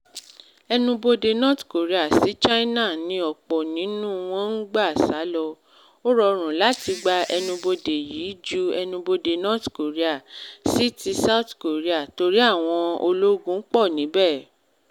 Enubodè North Korea sí China ni ọ̀pọ̀ nínụ́ wọn ń gbà sálọ. Ó rọrùn láti gba ẹnubodè yí ju ẹnubodè North Korea sí ti South Korea torí àwọn ológun pọ̀ níbẹ̀.